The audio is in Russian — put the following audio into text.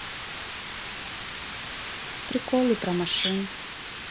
приколы про машин